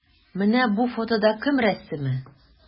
Менә бу фотода кем рәсеме?